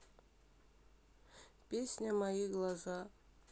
песня мои глаза